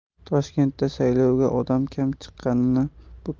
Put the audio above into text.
toshkentda saylovga odam kam chiqqanini bu